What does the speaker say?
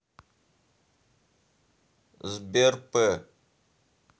сбер п